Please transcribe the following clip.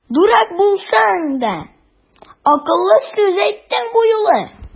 Дурак булсаң да, акыллы сүз әйттең бу юлы!